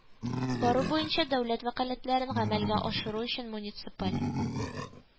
Бару буенча дәүләт вәкаләтләрен гамәлгә ашыру өчен муниципаль